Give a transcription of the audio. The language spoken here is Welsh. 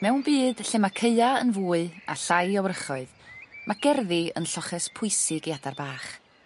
Mewn byd lle ma' caea yn fwy a llai o wrychoedd ma' gerddi yn lloches pwysig i adar bach.